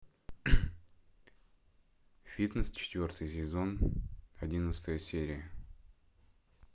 фитнес четвертый сезон одиннадцатая серия